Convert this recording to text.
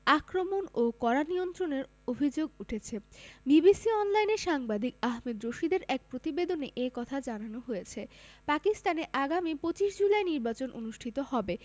আক্রমণ ও কড়া নিয়ন্ত্রণের অভিযোগ উঠেছে বিবিসি অনলাইনে সাংবাদিক আহমেদ রশিদের এক প্রতিবেদনে এ কথা জানানো হয়েছে পাকিস্তানে আগামী ২৫ জুলাই নির্বাচন অনুষ্ঠিত হবে